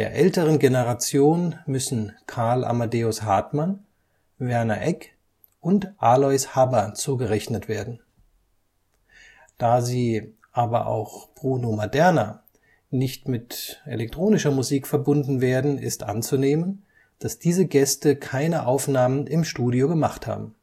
älteren Generation müssen Karl Amadeus Hartmann, Werner Egk und Alois Hába zu gerechnet werden. Da sie, aber auch Bruno Maderna, nicht mit elektronischer Musik verbunden werden, ist anzunehmen, dass diese Gäste keine Aufnahmen im Studio gemacht haben